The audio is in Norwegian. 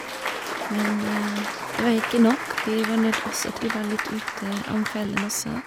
Men det var ikke nok, vi var nødt også til å være litt ute om kvelden også.